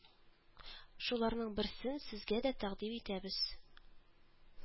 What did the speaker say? Шуларның берсен сезгә дә тәкъдим итәбез